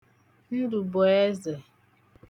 Ndụ̀bụẹzẹ̀